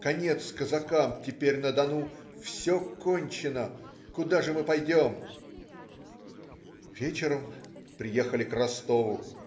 Конец казакам, теперь на Дону - все кончено. Куда же мы пойдем?? Вечером приехали к Ростову.